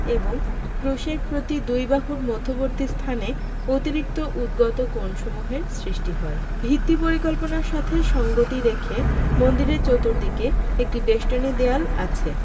এবং ক্রুশের প্রতি দুই বাহুর মধ্যবর্তী স্থানে অতিরিক্ত উদ্গত কোণসমূহের সৃষ্টি হয় ভিত্তি পরিকল্পনার সাথে সঙ্গতি রেখে মন্দিরের চতুর্দিকে একটি বেষ্টনী দেয়াল আছে